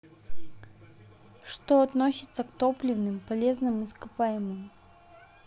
что относится к топливным полезным ископаемым